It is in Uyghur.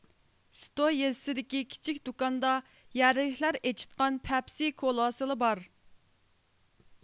سېتو يېزىسىدىكى كىچىك دۇكاندا يەرلىكلەر ئېچىتقان پەپسى كولاسىلا بار